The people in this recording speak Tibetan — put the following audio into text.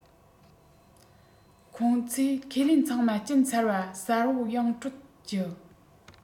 ཁོ ཚོས ཁས ལེན ཚང མ སྦྱིན ཚར ལ གསལ པོ ཡང སྤྲོད རྒྱུ